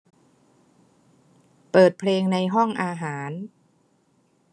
เปิดเพลงในห้องอาหาร